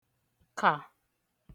kà